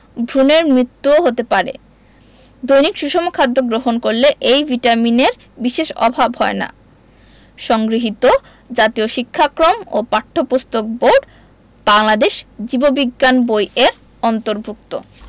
ভ্রুনের মৃত্যুও হতে পারে দৈনিক সুষম খাদ্য গ্রহণ করলে এই ভিটামিনের বিশেষ অভাব হয় না সংগৃহীত জাতীয় শিক্ষাক্রম ও পাঠ্যপুস্তক বোর্ড বাংলাদেশ জীব বিজ্ঞান বই এর অন্তর্ভুক্ত